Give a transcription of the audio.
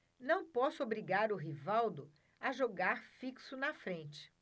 não posso obrigar o rivaldo a jogar fixo na frente